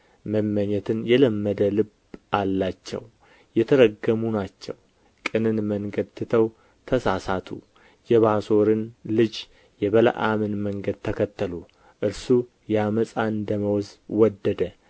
መመኘትን የለመደ ልብ አላቸው የተረገሙ ናቸው ቅንን መንገድ ትተው ተሳሳቱ የባሶርን ልጅ የበለዓምን መንገድ ተከተሉ እርሱ የዓመፃን ደመወዝ ወደደ